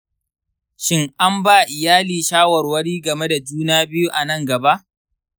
shin an ba iyali shawarwari game da juna biyu a nan gaba?